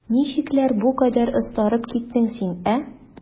Ничекләр бу кадәр остарып киттең син, ә?